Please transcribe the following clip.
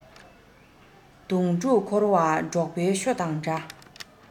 གདོང དྲུག འཁོར བ འབྲོག པའི ཤོ དང འདྲ